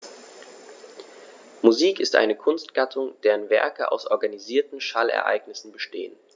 Musik ist eine Kunstgattung, deren Werke aus organisierten Schallereignissen bestehen.